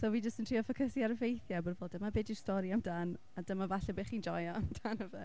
So fi jyst yn trio ffocysu ar y ffeithiau dyma be di'r stori amdan a dyma falle be chi'n joio amdano fe.